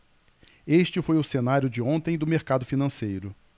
este foi o cenário de ontem do mercado financeiro